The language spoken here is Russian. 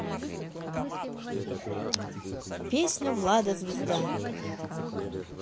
песня влада звезда